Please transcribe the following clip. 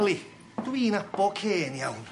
Yli, dwi'n abo Kay'n iawn,